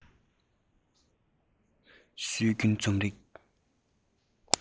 སྲོལ རྒྱུན རྩོམ རིག